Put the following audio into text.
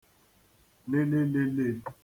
lìlìlì